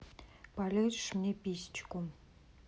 полижешь мне писечку